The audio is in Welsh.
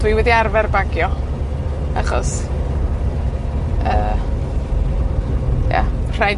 dwi wedi arfer baico, achos, yy, ie, rhaid,